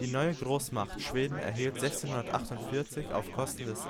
Die neue Großmacht Schweden erhielt 1648 auf Kosten des